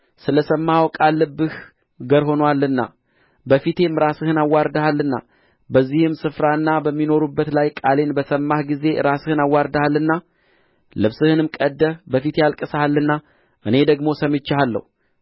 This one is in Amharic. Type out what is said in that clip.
ስለ ሰማኸው ቃል ልብህ ገር ሆኖአልና በፊቴም ራስህን አዋርደሃልና በዚህም ስፍራና በሚኖሩበት ላይ ቃሌን በሰማህ ጊዜ ራስህን አዋርደሃልና ልብስህንም ቀድደህ በፊቴ አለቅሰሃልና እኔ ደግሞ ሰምቼአለሁ